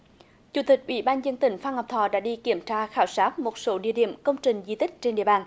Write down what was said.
chủ tịch ủy ban dân tỉnh phan ngọc thọ đã đi kiểm tra khảo sát một số địa điểm công trình di tích trên địa bàn